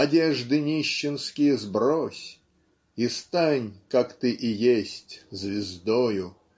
Одежды нищенские сбрось И стань как ты и есть звездою